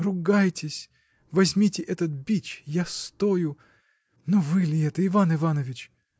ругайтесь — возьмите этот бич, я стою!. Но вы ли это, Иван Иванович!